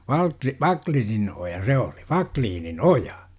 - Wacklinin oja se oli Wacklinin oja